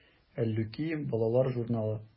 “әллүки” балалар журналы.